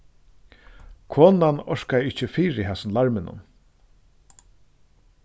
konan orkaði ikki fyri hasum larminum